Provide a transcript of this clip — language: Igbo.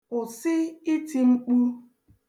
Kwụsị iti mkpu.